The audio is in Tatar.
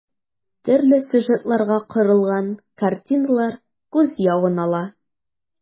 Төрле сюжетларга корылган картиналар күз явын ала.